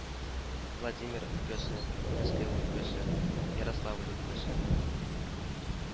Владимир өлкәсе, Мәскәү өлкәсе, Ярославль өлкәсе